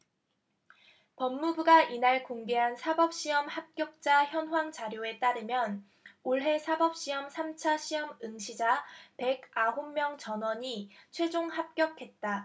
법무부가 이날 공개한 사법시험 합격자 현황 자료에 따르면 올해 사법시험 삼 차 시험 응시자 백 아홉 명 전원이 최종 합격했다